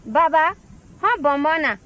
baba hɔn bɔnbɔn na